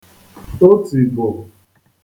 otìbò